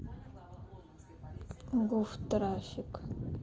гуф трафик